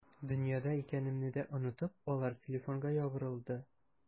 Дөньяда икәнемне дә онытып, алар телефонга ябырылды.